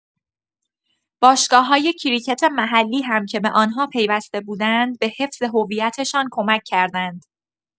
باشگاه‌های کریکت محلی هم که به آن‌ها پیوسته بودند به حفظ هویتشان کمک کردند.